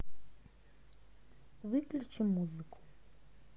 выключи музыку